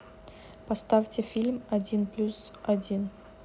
поставьте фильм один плюс один